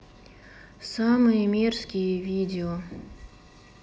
самые мерзкие видео